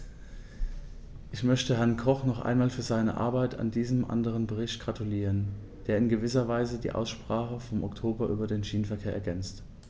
Ich möchte Herrn Koch noch einmal für seine Arbeit an diesem anderen Bericht gratulieren, der in gewisser Weise die Aussprache vom Oktober über den Schienenverkehr ergänzt.